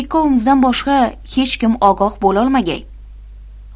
ikkovimizdan boshqa hech kim ogoh bo'lolmagay